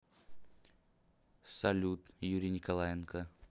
салют юрий николаенко